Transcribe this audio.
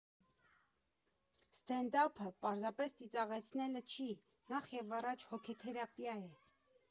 Սթենդափը պարզապես ծիծաղացնելը չի, նախևառաջ հոգեթերապիա է.